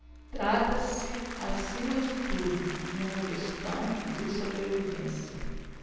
trata-se acima de tudo de uma questão de sobrevivência